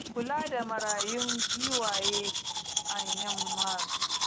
Kula da marayun giwaye a Myanmar